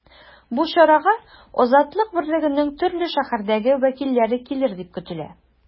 Бу чарага “Азатлык” берлегенең төрле шәһәрдәге вәкилләре килер дип көтелә.